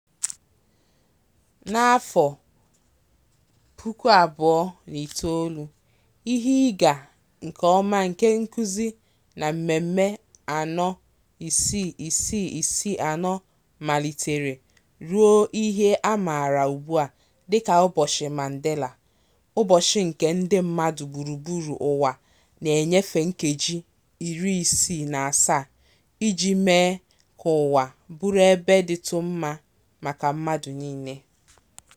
Na 2009, ihe ịga nke ọma nke nkụzi na mmemme 46664 malitere ruo ihe a maara ugbua dịka "Ụbọchị Mandela", ụbọchị nke ndị mmadụ gburugburu ụwa na-enyefe nkeji 67 iji mee ka ụwa bụrụ ebe dịtụ mma maka mmadụ niile.